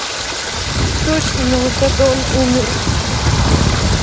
точно мегалодон умер